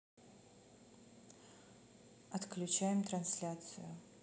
отключаем трансляцию